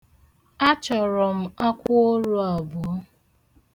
Achọrọ m akwụoru abụọ.